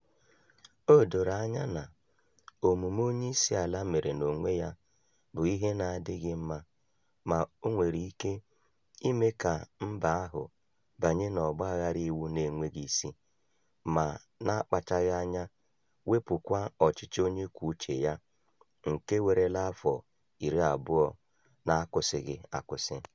O doro anya na, omume onyeisiala mere n'onwe ya bụ ihe na-adịghị mma ma o nwere ike ime ka mba ahụ banye n'ọgbaghara iwu na-enweghị isi, ma, na-akpachaghị anya, wepụ kwa ọchịchị onye kwuo uche ya nke werela afọ 20 na-akwụsịghị akwụsị.